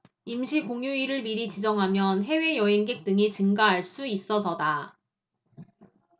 임시공휴일을 미리 지정하면 해외 여행객 등이 증가할 수 있어서다